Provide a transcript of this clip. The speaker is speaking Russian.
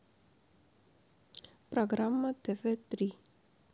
программа тв три